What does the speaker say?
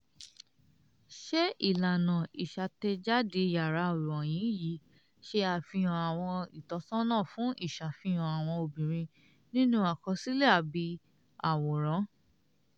Ṣe ìlànà ìṣàtẹ̀jáde yàrá ìròyìn yín ṣe àfihàn àwọn ìtọ́sọ́nà fún ìṣàfihàn àwọn obìnrin nínú àkọsílẹ̀ àbí àwòrán?